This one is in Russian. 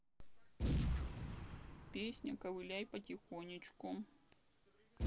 песня ковыляй потихонечку